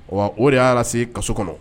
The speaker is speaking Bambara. Wa o de y'a se kaso kɔnɔ